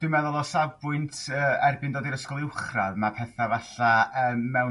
Dwi meddwl o safbwynt yy erbyn ddod i'r ysgol uwchradd ma' petha' 'falla yym mewn